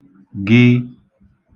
g